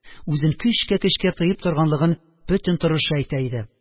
Үзен көчкә-көчкә генә тыеп торганлыгын бөтен торышы әйтә иде